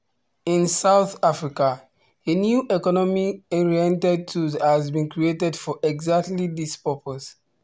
In South Africa, a new economy-oriented tool has been created for exactly this purpose.